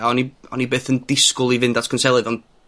...a o'n i, o'n i byth yn disgwl i fynd at gwnselydd ond